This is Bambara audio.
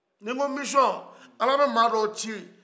ni n ko misiyɔn ala bɛ maa dɔw ci